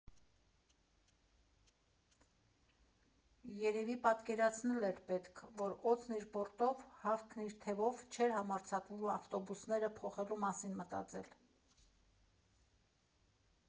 Երևի պատկերացնել էր պետք , որ «օձն իր պորտով, հավքն իր թևով» չէր համարձակվում ավտոբուսները փոխելու մասին մտածել։